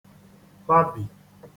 -tabì